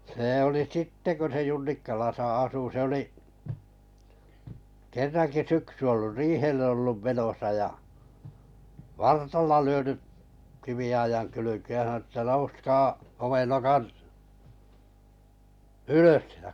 se oli sitten kun se Junnikkalassa asui se oli kerrankin syksy ollut riihelle ollut menossa ja vartalla lyönyt kiviaidan kylkeen ja sanonut että nouskaa homenokat ylös -